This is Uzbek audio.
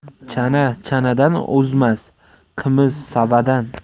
chana chanadan o'zmas qimiz savadan